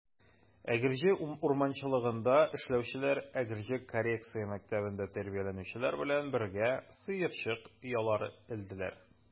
Әгерҗе урманчылыгында эшләүчеләр Әгерҗе коррекция мәктәбендә тәрбияләнүчеләр белән бергә сыерчык оялары элделәр.